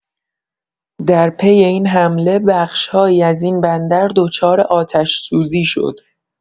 در پی این حمله بخش‌هایی از این بندر دچار آتش‌سوزی شد.